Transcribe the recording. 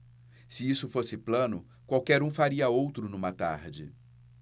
se isso fosse plano qualquer um faria outro numa tarde